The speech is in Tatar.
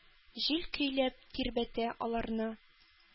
Җил көйләп тирбәтә аларны,